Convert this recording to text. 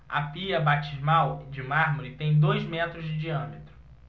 a pia batismal de mármore tem dois metros de diâmetro